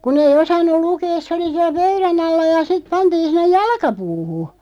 kun ei osannut lukea se oli siellä pöydän alla ja sitten pantiin sinne jalkapuuhun